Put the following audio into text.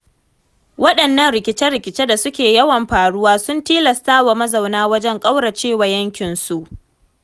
Waɗannan rikice-rikice da suke yawan faruwa sun tilastawa mazauna wajen kauracewa yankinsu